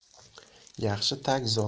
yaxshi tag zoti